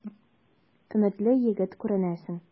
Өметле егет күренәсең.